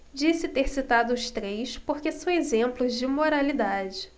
disse ter citado os três porque são exemplos de moralidade